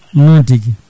noon tigui